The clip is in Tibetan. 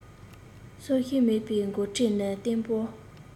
སོག ཤིང མེད པའི འགོ ཁྲིད ནི ཏེན པོ